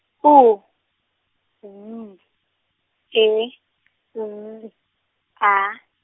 U, B, E , Z, A.